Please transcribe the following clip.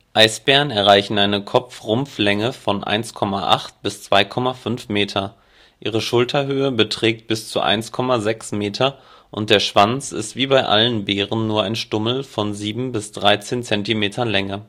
Eisbären erreichen eine Kopfrumpflänge von 1,8 bis 2,5 Meter, ihre Schulterhöhe beträgt bis zu 1,6 Meter und der Schwanz ist wie bei allen Bären nur ein Stummel von 7 bis 13 Zentimeter Länge